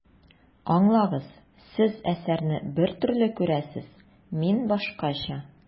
Аңлагыз, Сез әсәрне бер төрле күрәсез, мин башкача.